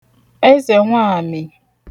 ezènwaàmì